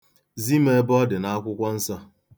Zi m ebe ọ dị n'ime Akwụkwọ Nsọ.